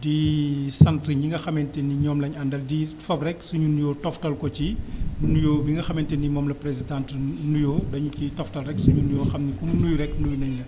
di sant ñi nga xamnte ni ñoom la ñu àndal di fab rek suñu nuyoo toftal ko ci nuyoo bi nga xamante ni moom la présidente nuyoo dañu ciy toftal rek suñu nuyoo xam ne ku mu nuyu rek nuyu nañ la